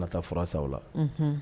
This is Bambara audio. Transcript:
A nana taa furanransaw la